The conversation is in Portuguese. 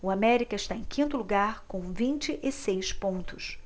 o américa está em quinto lugar com vinte e seis pontos